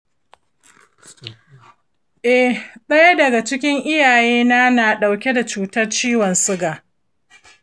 eh, ɗaya daga cikin iyayena ya na ɗauke da cutar ciwon shuga